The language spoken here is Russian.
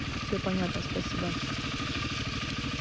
все понятно спасибо